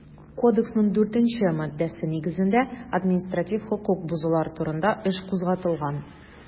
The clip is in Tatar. Кодексның 4 нче маддәсе нигезендә административ хокук бозулар турында эш кузгатылган.